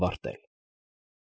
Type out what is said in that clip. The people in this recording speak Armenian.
Ավարտել։